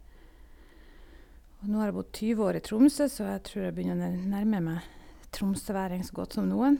Og nå har jeg bodd tyve år i Tromsø, så jeg tror jeg begynner å n nærme meg tromsøværing så godt som noen.